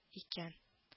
Икән